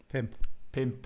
pump... pump.